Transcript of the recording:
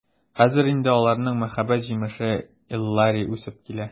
Хәзер инде аларның мәхәббәт җимеше Эллари үсеп килә.